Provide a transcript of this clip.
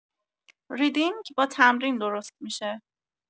ریدینگ با تمرین درست می‌شه.